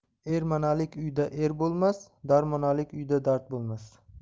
ermanalik uyda er o'lmas darmonalik uyda dard bo'lmas